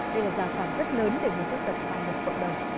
đây là rào cản rất lớn để người khuyết tật hòa nhập cộng đồng